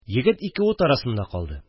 Егет ике ут арасында калды